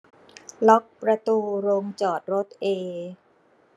ล็อกประตูโรงจอดรถเอ